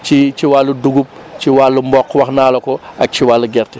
ci ci wàllu dugub ci wàllu mboq wax naa la ko ak ci wàllu gerte